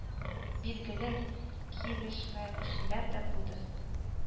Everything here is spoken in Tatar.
Билгеле, килешмәүчеләр дә булды